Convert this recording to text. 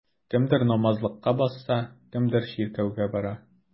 Кемдер намазлыкка басса, кемдер чиркәүгә бара.